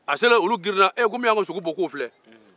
a selen olu girinna ko min y'an ka sogo bon k'o filɛ